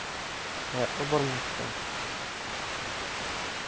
qayoqqa bormoqchisan